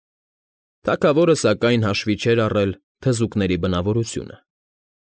Թագավորը, սակայն, հաշվի չէր առել թզուկների բնավորությունը։